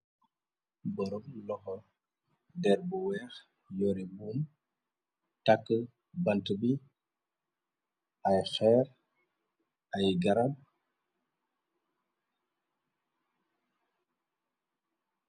Borom loxo dér bu weex, yoore buum takk bante bi, ay xeer, ay garaab.